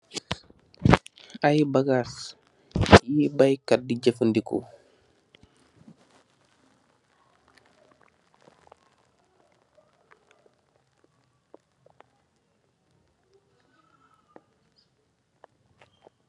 Ay bagas yu beykat di jefendeko.